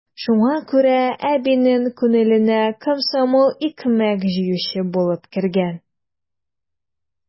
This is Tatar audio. Шуңа күрә әбинең күңеленә комсомол икмәк җыючы булып кергән.